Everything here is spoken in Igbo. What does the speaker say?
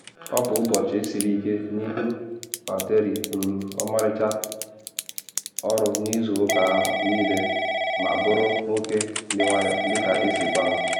Ọ bụ ụbọchị siri ike n’ihi Valtteri rụrụ ọmarịcha ọrụ n’izu ụka ahụ niile ma bụrụ nwoke dị nwayọ dị ka esi gwa m.